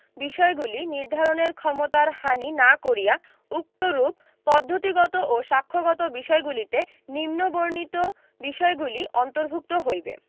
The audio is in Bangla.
বিষয়গুলি নির্ধারণের ক্ষমতার হানি না করিয়া উক্তরূপ পদ্ধতিগত ও সাক্ষ্যগত বিষয়গুলিতে নিম্নবর্ণিত বিষযগুলি অন্তর্ভুক্ত হইবে